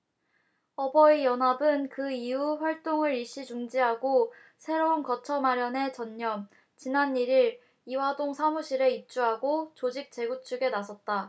어버이연합은 그 이후 활동을 일시 중지하고 새로운 거처 마련에 전념 지난 일 일 이화동 사무실에 입주하고 조직 재구축에 나섰다